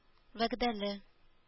Вәгъдәле